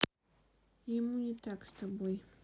ему не так с тобой